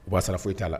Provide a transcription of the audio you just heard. U ka sira foyi t'a la